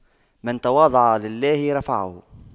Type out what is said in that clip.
من تواضع لله رفعه